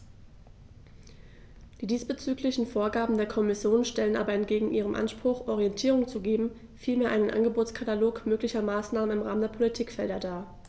Die diesbezüglichen Vorgaben der Kommission stellen aber entgegen ihrem Anspruch, Orientierung zu geben, vielmehr einen Angebotskatalog möglicher Maßnahmen im Rahmen der Politikfelder dar.